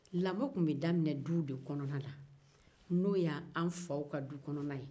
lamɔ tun bɛ daminɛ duw de kɔnɔna na n'o ye an faw ka du konɔna ye